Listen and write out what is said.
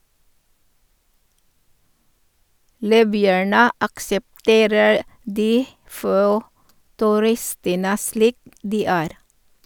Libyerne aksepterer de få turistene slik de er.